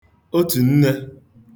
òtunnē